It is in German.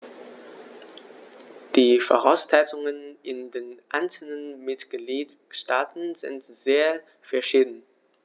Die Voraussetzungen in den einzelnen Mitgliedstaaten sind sehr verschieden.